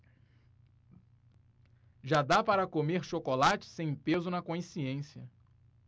já dá para comer chocolate sem peso na consciência